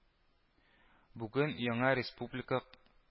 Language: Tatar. Бүген яңа Республика